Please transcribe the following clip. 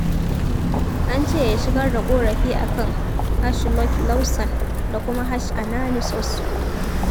An ce ya shigar da ƙorafi a kan #LoicLawson da kuma #AnaniSossou.